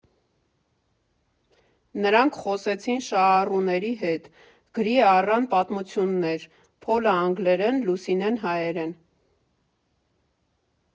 Նրանք խոսեցին շահառուների հետ, գրի առան պատմություններ՝ Փոլը անգլերեն, Լուսինեն՝ հայերեն։